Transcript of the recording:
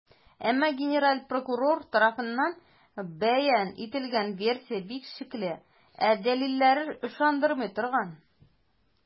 Әмма генераль прокурор тарафыннан бәян ителгән версия бик шикле, ә дәлилләре - ышандырмый торган.